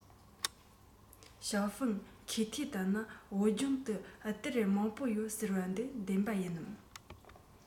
ཞའོ ཧྥུང གོ ཐོས ལྟར ན བོད ལྗོངས སུ གཏེར མང པོ ཡོད ཟེར བ དེ བདེན པ ཡིན ནམ